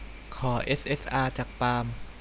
ขอเอสเอสอาจากปาล์ม